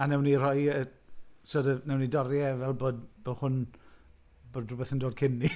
A wnawn i roi y sort of... wnawn ni dorri e fel bod bod hwn... bod rywbeth yn dod cyn 'ny .